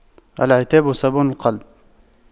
العتاب صابون القلب